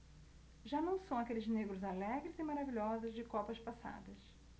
já não são aqueles negros alegres e maravilhosos de copas passadas